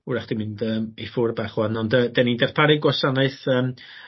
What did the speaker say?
'w'rach 'di mynd yym i ffwr' bach ŵan ond yy 'dyn ni'n darparu gwasanaeth yym